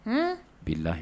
' layi